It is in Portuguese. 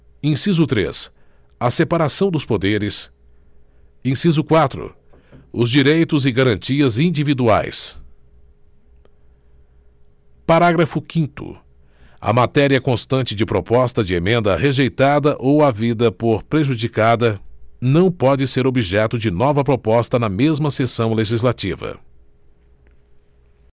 inciso três a separação dos poderes inciso quatro os direitos e garantias individuais parágrafo quinto a matéria constante de proposta de emenda rejeitada ou havida por prejudicada não pode ser objeto de nova proposta na mesma sessão legislativa